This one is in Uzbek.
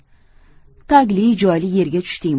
tagli joyli yerga tushding